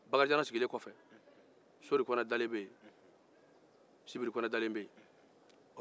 bakarijan lasigilen kɔfɛ sori kɔnɛ dalen bɛ yen sibiri kɔnɛ dalen bɛ yen